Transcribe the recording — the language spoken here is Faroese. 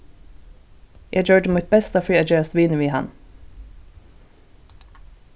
eg gjørdi mítt besta fyri at gerast vinur við hann